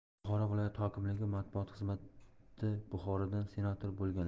buxoro viloyati hokimligi matbuot xizmatibuxorodan senator bo'lganlar